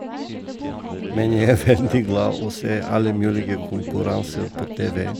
Men jeg er veldig glad å se alle mulige konkurranser på TV.